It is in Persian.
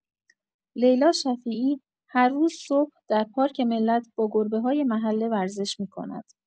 لیلا شفیعی، هر روز صبح در پارک ملت با گربه‌های محله ورزش می‌کند.